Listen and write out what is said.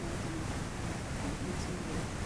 'na iddyn nhw yn t'mod dyna swn i'n d'eud.